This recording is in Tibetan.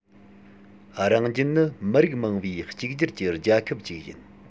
རང རྒྱལ ནི མི རིགས མང བའི གཅིག གྱུར གྱི རྒྱལ ཁབ ཅིག ཡིན